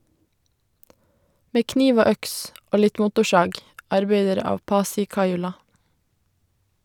«Med kniv og øks... og litt motorsag», arbeider av Pasi Kajula.